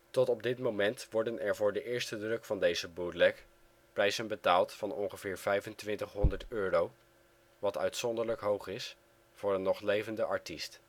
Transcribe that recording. Tot op dit moment worden er voor de eerste druk van deze Bootleg prijzen betaald van ongeveer € 2500, wat uitzonderlijk hoog is voor een nog levende artiest